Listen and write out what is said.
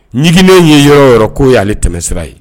Ɲiginnen ye yɔrɔ yɔrɔ k'o ye ale tɛmɛsira ye